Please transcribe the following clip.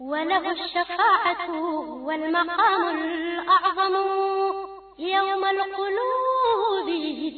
Wa walima ɲama